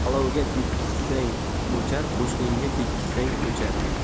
olovga tegsang o'char qo'shningga tegsang ko'char